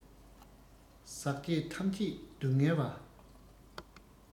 ཟག བཅས ཐམས ཅད སྡུག བསྔལ བ